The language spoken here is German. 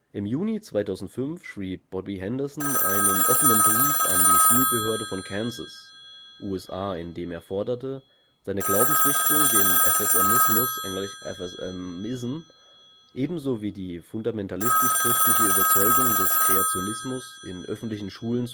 Im Juni 2005 schrieb Bobby Henderson einen offenen Brief an die Schulbehörde von Kansas, USA, in dem er forderte, seine Glaubensrichtung – den FSMismus (engl. FSMism) – ebenso wie die fundamentalistisch-christliche Überzeugung des Kreationismus in öffentlichen Schulen